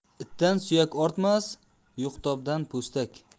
itdan suyak ortmas yuqtobdan po'stak